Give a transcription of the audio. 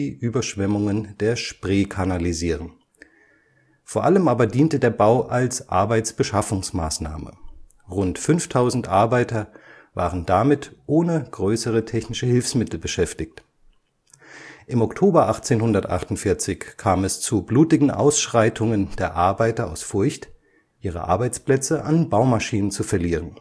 die Überschwemmungen der Spree kanalisieren. Vor allem aber diente der Bau als Arbeitsbeschaffungsmaßnahme, rund 5000 Arbeiter waren damit ohne größere technische Hilfsmittel beschäftigt. Im Oktober 1848 kam es zu blutigen Ausschreitungen der Arbeiter aus Furcht, ihre Arbeitsplätze an Baumaschinen zu verlieren